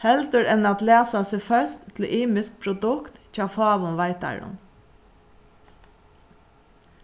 heldur enn at læsa seg føst til ymisk produkt hjá fáum veitarum